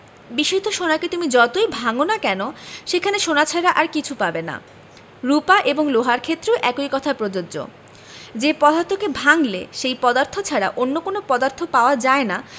বিশুদ্ধ সোনাকে তুমি যতই ভাঙ না কেন সেখানে সোনা ছাড়া আর কিছু পাবে না রুপা এবং লোহার ক্ষেত্রেও একই কথা প্রযোজ্য যে পদার্থকে ভাঙলে সেই পদার্থ ছাড়া অন্য কোনো পদার্থ পাওয়া যায় না